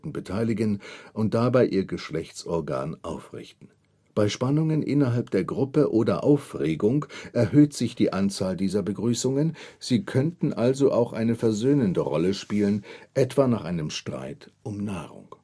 beteiligen und dabei ihr Geschlechtsorgan aufrichten. Bei Spannungen innerhalb der Gruppe oder Aufregung erhöht sich die Anzahl dieser Begrüßungen, sie könnten also auch eine versöhnende Rolle spielen, etwa nach einem Streit um Nahrung